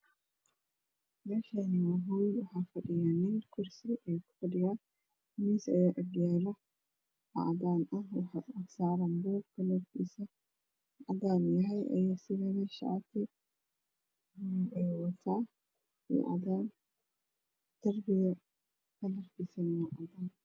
Meeshaani waa hool waxaa fadhiya nin kursi ayuu ku fadhiyaa miis ayaa agyaalo oo cadaan ah waxaa kor saaran buuk kalarkiisu cadaan uu yahay asigana shaati buluug iyo cadaan ayuu wataa derbiga kalarkiisu waa cadaan